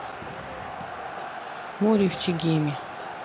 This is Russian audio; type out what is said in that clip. море в чегеме